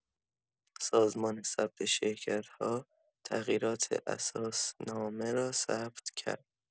سازمان ثبت شرکت‌ها تغییرات اساسنامه را ثبت کرد.